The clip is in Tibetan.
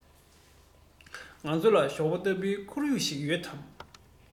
ང ཚོ ལ ཞོགས པ ལྟ བུའི ཁོར ཡུག ཅིག ཡོད དམ